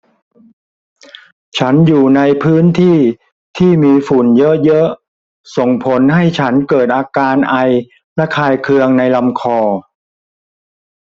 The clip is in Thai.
ฉันอยู่ในพื้นที่ที่มีฝุ่นเยอะเยอะส่งผลให้ฉันเกิดอาการไอระคายเคืองในลำคอ